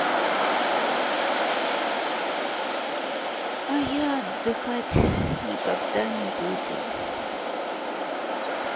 а я отдыхать никогда не буду